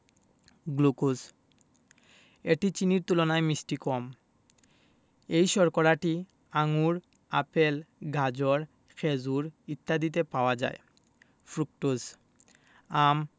glucose এটি চিনির তুলনায় মিষ্টি কম এই শর্করাটি আঙুর আপেল গাজর খেজুর ইত্যাদিতে পাওয়া যায় ফ্রুকটোজ আম